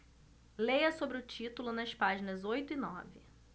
leia sobre o título nas páginas oito e nove